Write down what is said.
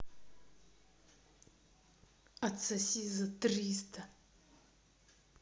отсоси за триста